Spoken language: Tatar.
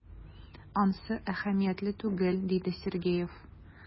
Ансы әһәмиятле түгел,— диде Сергеев.